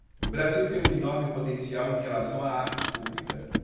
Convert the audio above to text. o brasil tem um enorme potencial em relação à arte pública